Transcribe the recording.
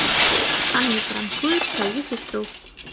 аня пранкует свою сестру